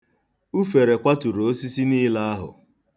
Ufere kwaturu osisi niile ahụ.